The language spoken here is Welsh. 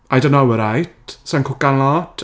I don't know alright. Sa i'n cwcan lot.